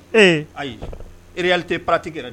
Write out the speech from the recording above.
Ee ayi réalité pratique yɛrɛ